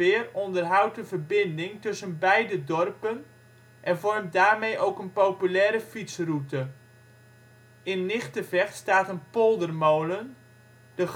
onderhoudt een verbinding tussen beide dorpen en vormt daarmee ook een populaire fietsroute. In Nigtevecht staat een poldermolen, de Garstenmolen